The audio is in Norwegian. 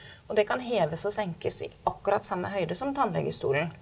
og det kan heves og senkes i akkurat samme høyde som tannlegestolen.